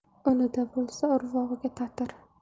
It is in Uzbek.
unida bo'lsa urvog'iga tatir